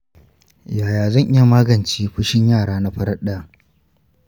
yaya zan iya magance fushin yara na farat ɗaya